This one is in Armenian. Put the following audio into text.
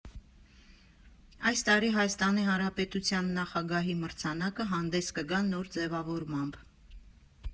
Այս տարի Հայաստանի Հանրապետության նախագահի մրցանակը հանդես կգա նոր ձևավորմամբ.